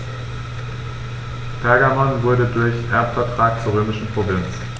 Pergamon wurde durch Erbvertrag zur römischen Provinz.